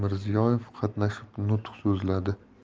mirziyoyev qatnashib nutq so'zladi